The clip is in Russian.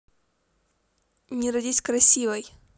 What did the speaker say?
не родись красивой